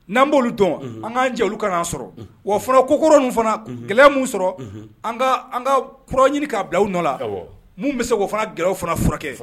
N'an b' dɔn an kaan jɛ ka sɔrɔ wa fɔlɔ kokoro ninnu fana gɛlɛya min sɔrɔ an ka k kura ɲini k' bila u nɔ la bɛ se o fana gɛlɛyaw fana furakɛ